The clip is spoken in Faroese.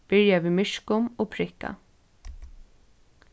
byrja við myrkum og prikka